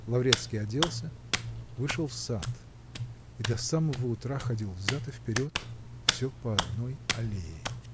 Лаврецкий оделся, вышел в сад и до самого утра ходил взад и вперед все по одной аллее.